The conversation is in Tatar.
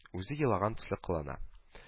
Үзе елаган төсле кылана